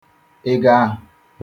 Ego ahụ.